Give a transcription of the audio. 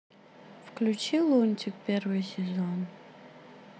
включи лунтик первый сезон